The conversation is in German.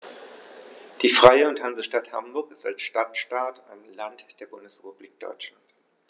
Die Freie und Hansestadt Hamburg ist als Stadtstaat ein Land der Bundesrepublik Deutschland.